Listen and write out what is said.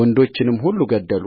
ወንዶችንም ሁሉ ገደሉ